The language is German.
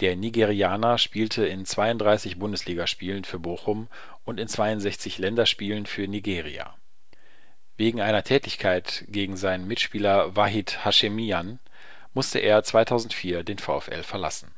Der Nigerianer spielte in 32 BL-Spielen für Bochum (1 Tor) und in 62 Länderspielen für Nigeria. Wegen einer Tätlichkeit gegen seinen Mitspieler Wahid Haschemian musste er 2004 den VfL verlassen